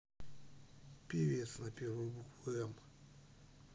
певец на первую букву м